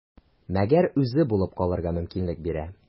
Мәгәр үзе булып калырга мөмкинлек бирә.